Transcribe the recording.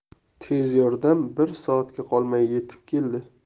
tez yordam bir soatga qolmay yetib keldi